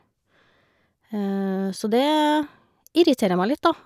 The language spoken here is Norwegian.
Så det irriterer meg litt, da.